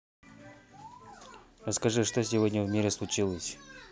расскажи что сегодня в мире случилось